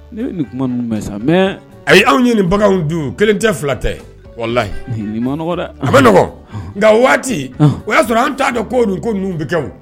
A anw ɲini nin bagan kelen tɛ fila tɛ walayi a bɛ nka waati o y'a sɔrɔ an t taa dɔn ko dun ko ninnu bɛ kɛ